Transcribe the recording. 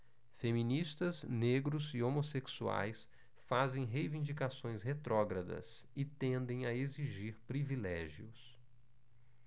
feministas negros e homossexuais fazem reivindicações retrógradas e tendem a exigir privilégios